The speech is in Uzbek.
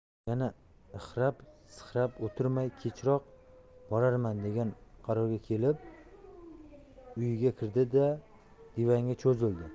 yana ixrab sixrab o'tirmay kechroq borarman degan qarorga kelib uyiga kirdi da divanga cho'zildi